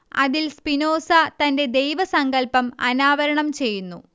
അതിൽ സ്പിനോസ തന്റെ ദൈവസങ്കല്പം അനാവരണം ചെയ്യുന്നു